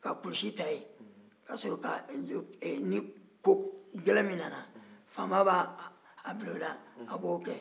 ka kulusi ta yen ni ko gɛlɛn min nana faama b'a bila o la a b'o kɛ